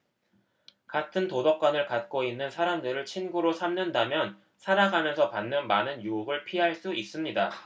같은 도덕관을 갖고 있는 사람들을 친구로 삼는다면 살아가면서 받는 많은 유혹을 피할 수 있습니다